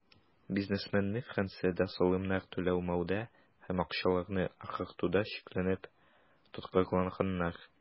Бизнесменны Франциядә салымнар түләмәүдә һәм акчаларны "агартуда" шикләнеп тоткарлаганнар.